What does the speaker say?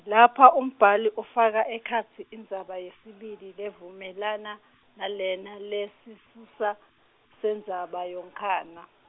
lapha umbhali ufaka ekhatsi indzaba yesibili levumelana nalena lesisusa sendzaba yonkhana.